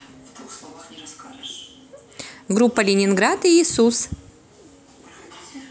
группа ленинград иисус